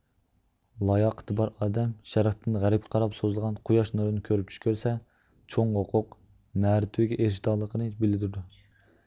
لاياقىتى بار ئادەم شەرقتىن غەربكە قاراپ سوزۇلغان قوياش نۇرىنى كۆرۈپ چۈش كۆرسە چوڭ ھوقوق مەرتىۋىگە ئېرىشىدىغانلىقىنى بىلدۈرىدۇ